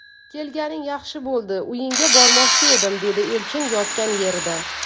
kelganing yaxshi bo'ldi uyingga bormoqchi edim dedi elchin yotgan yerida